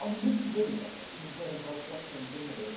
O'n i mynd i ddeud un peth am cael o tu allan i Gymru...